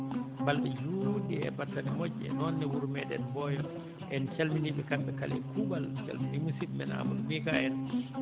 balɗe juutɗe e battane moƴƴe e noon ne wuro meeɗen Mboyo en calminii kamɓe kala e kuuɓal en mbiyii musidɓe men Amadou Mika en